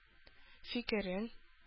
Фикерен